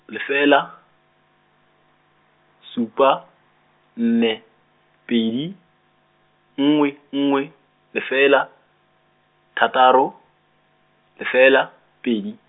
lefela, supa, nne, pedi, nngwe nngwe, lefela, thataro, lefela, pedi.